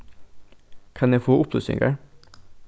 kann eg fáa upplýsingar